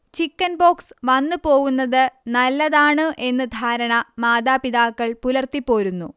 chickenpox വന്നുപോവുന്നത് നല്ലതാണു എന്ന ധാരണ മാതാപിതാക്കൾ പുലർത്തിപോരുന്നു